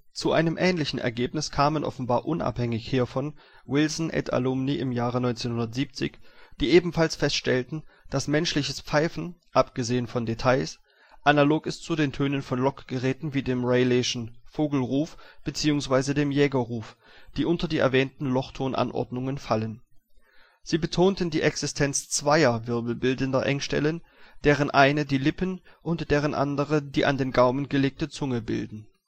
Zu einem ähnlichen Ergebnis kamen offenbar unabhängig hiervon Wilson et al. (1970) die ebenfalls feststellten, dass menschliches Pfeifen – abgesehen von Details – analog ist zu den Tönen von Lockgeräten wie dem Rayleighschen Vogelruf bzw. dem Jägerruf, die unter die erwähnten Lochtonanordnungen fallen. Sie betonten die Existenz zweier wirbelbildender Engstellen, deren eine die Lippen und deren andere die an den Gaumen gelegte Zunge bilden